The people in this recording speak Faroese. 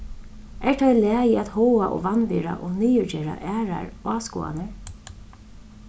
er tað í lagi at háða og vanvirða og niðurgera aðrar áskoðanir